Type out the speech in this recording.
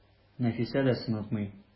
Нәфисә дә сынатмый.